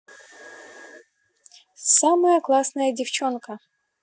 самая классная девченка